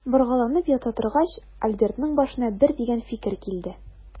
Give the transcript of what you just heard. Боргаланып ята торгач, Альбертның башына бер дигән фикер килде.